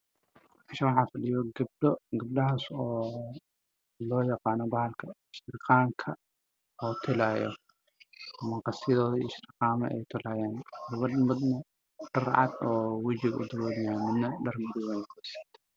Waa islaamo tagayaan harqaan waxa ay wataan dhar afka ayaa u xiran wejiga harqaanka midabkiisa waa cadaan